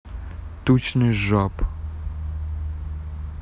тучный жаб